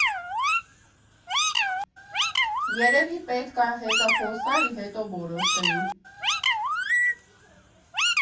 ֊ Երևի պետք ա հետը խոսայի, հետո որոշեի…